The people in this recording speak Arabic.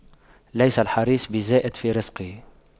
ليس الحريص بزائد في رزقه